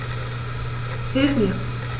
Hilf mir!